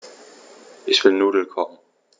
Ich will Nudeln kochen.